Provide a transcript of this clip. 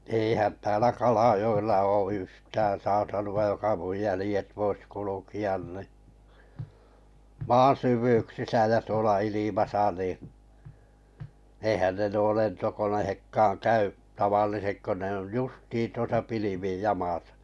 eihän täällä Kalajoella ole yhtään saa sanoa joka minun jäljet voisi kulkea niin maan syvyyksissä ja tuolla ilmassa niin eihän ne nuo lentokoneetkaan käy tavalliset kun ne on justiin tuossa pilvien jamassa